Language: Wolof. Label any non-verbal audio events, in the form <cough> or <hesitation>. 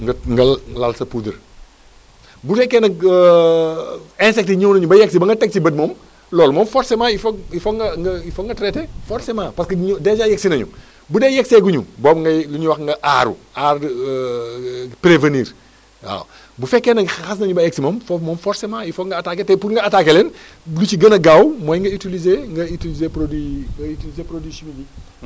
nga nga lal sa poudre bu fekkee nag <hesitation> insectes yi ñëw nañu ba yegsi ba nga teg si bët moom loolu moom forcément il faut nga il faut que nga traité forcément parce que dèjà yegsi nañu bu dee yegseeguñu boobu ngay lu ñuy wax nga aaru aar <hesitation> prévenir waaw bu fekkee nag xas nañu ba aggsi moom foofu moom forcément il faut nga attaqué te pour nga attaqué leen lu ci gën a gaaw mooy nga utilisé nga utilisé produit nga utilisé produit chimique yi